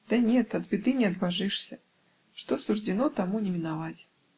Да нет, от беды не отбожишься; что суждено, тому не миновать".